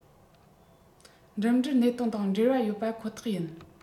འགྲིམ འགྲུལ གནད དོན དང འབྲེལ བ ཡོད པ ཁོ ཐག ཡིན